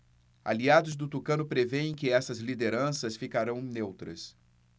aliados do tucano prevêem que essas lideranças ficarão neutras